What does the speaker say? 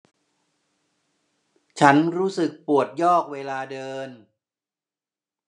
ฉันรู้สึกปวดยอกเวลาเดิน